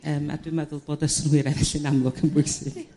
Yrm a dwi'n meddwl bod y synhwyre felly'n amlwg yn bwysig.